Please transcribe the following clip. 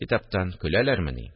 Китаптан көләләрмени